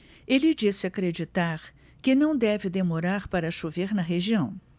ele disse acreditar que não deve demorar para chover na região